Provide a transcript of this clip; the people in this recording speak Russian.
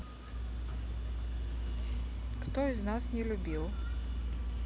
кто из нас не любил